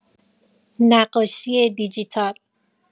نقاشی دیجیتال